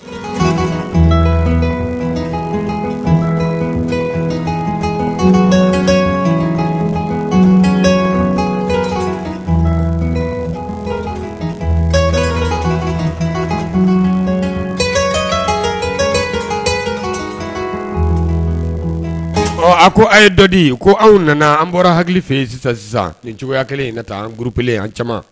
Wa ɔ a ko' ye dɔdi ko aw nana an bɔra hakili fɛ yen sisan sisan nin cogoyaya kelen in na taa gple an caman